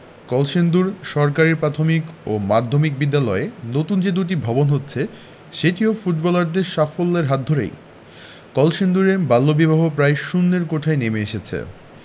কলসিন্দুর সরকারি প্রাথমিক ও মাধ্যমিক বিদ্যালয়ে নতুন যে দুটি ভবন হচ্ছে সেটিও ফুটবলারদের সাফল্যের হাত ধরেই কলসিন্দুরে বাল্যবিবাহ প্রায় শূন্যের কোঠায় নেমে এসেছে